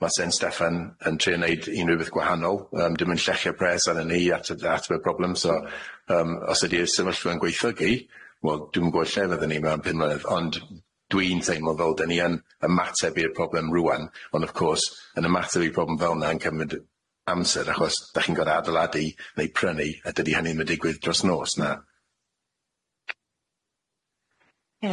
ma' Sen Steffan yn trio neud unryw beth gwahanol, yym dyw e'm yn llechie pres arnon ni at yy at y problem so yym os ydi'r sefyllfa'n gweithlygu, wel dwi'm yn gwbod lle fydden ni mewn pum mlynedd ond dwi'n teimlo fel dan ni yn ymateb i'r problem rŵan ond of course yn ymateb i problem felna yn cymryd yy amser achos dach chi'n gor'o' adeiladu neu prynu a dydi hynny ddim yn digwydd dros nos na.